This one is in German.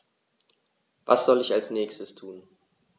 Was soll ich als Nächstes tun?